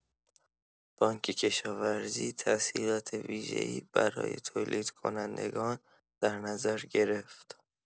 بانک کشاورزی تسهیلات ویژه‌ای برای تولیدکنندگان در نظر گرفت.